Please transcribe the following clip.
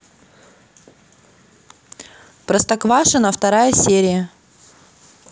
простоквашино вторая серия